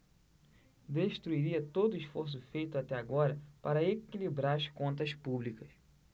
destruiria todo esforço feito até agora para equilibrar as contas públicas